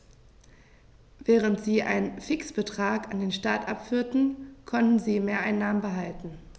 Während sie einen Fixbetrag an den Staat abführten, konnten sie Mehreinnahmen behalten.